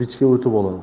vich ga o'tib oladi